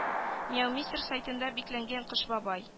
Мияумистер сайтында бикләнгән кыш бабай